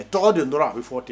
Tɔgɔ de dɔrɔn a bɛ fɔ ten.